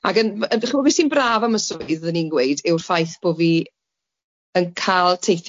Ac yn m- dachi 'bo be sy'n braf am y swydd fyddwn ni'n gweud yw'r ffaith bo fi yn ca'l teithio.